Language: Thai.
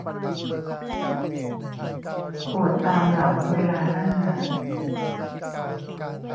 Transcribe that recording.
ปวดตามหลังเวลานั่งนาน